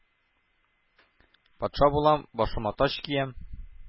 Патша булам, башыма таҗ киям,